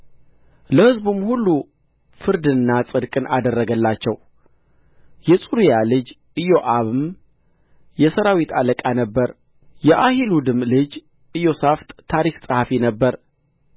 ለሕዝቡም ሁሉ ፍርድንና ጽድቅም አደረገላቸው የጽሩያ ልጅ ኢዮአብም የሠራዊት አለቃ ነበረ የአሒሉድም ልጅ ኢዮሣፍጥ ታሪክ ጸሐፊ ነበረ